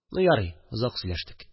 Ну, ярый, озак сөйләштек